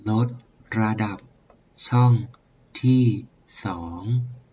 ลดระดับช่องที่สอง